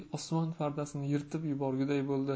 osmon pardasini yirtib yuborguday bo'ldi